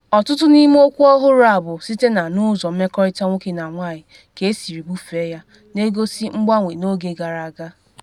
Ọtụtụ n’ime okwu ọhụrụ a bụ site na n’ụzọ mmekọrịta nwoke na nwanyị ka esiri bufee ya, na-egosi mgbanwe n’oge gara aga.